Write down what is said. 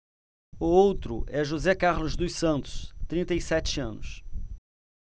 o outro é josé carlos dos santos trinta e sete anos